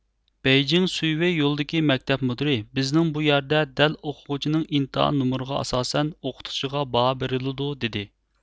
بېيجىڭ سۇيۋېي يولدىكى مەكتەپ مۇدىرى بىزنىڭ بۇ يەردە دەل ئوقۇغۇچىنىڭ ئىمتىھان نومۇرىغا ئاساسەن ئوقۇتقۇچىغا باھا بېرىلىدۇ دېدى